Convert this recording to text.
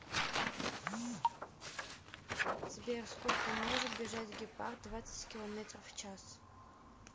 сбер сколько может бежать гепард двадцать километров в час